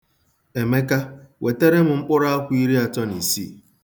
Emeka, wetere m mkpụrụ akwụ iriatọ na isii.